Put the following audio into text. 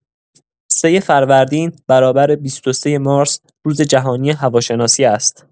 ۳ فروردین برابر ۲۳ مارس روز جهانی هواشناسی است.